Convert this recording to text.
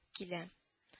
Киләм